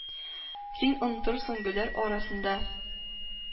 Син онтырсың гөлләр арасында